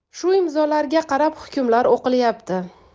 shu imzolarga qarab hukmlar o'qilyapti